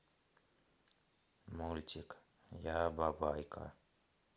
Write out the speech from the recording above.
мультик я бабайка